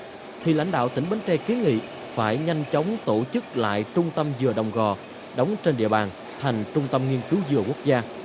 thì lãnh đạo tỉnh bến tre kiến nghị phải nhanh chóng tổ chức lại trung tâm dừa đồng gò đóng trên địa bàn thành trung tâm nghiên cứu dừa quốc gia